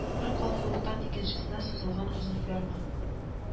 Бер калкулыктан икенчесенә сузылган озын ферма